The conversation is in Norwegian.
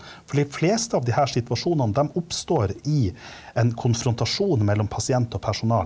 for de fleste av de her situasjonene dem oppstår i en konfrontasjon mellom pasient og personal.